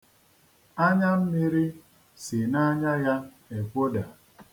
Anya mmiri si n'anya ya ekwoda.